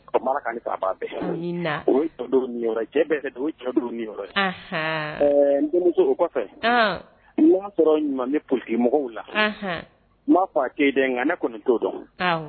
Du kɔfɛ na ɲuman p mɔgɔw la fɔ a' nka ne kɔni to dɔn